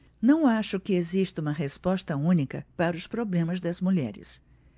não acho que exista uma resposta única para os problemas das mulheres